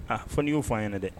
Aa! fo n'i y'o fɔ an ɲɛna dɛ.